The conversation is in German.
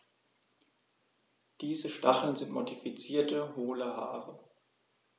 Diese Stacheln sind modifizierte, hohle Haare.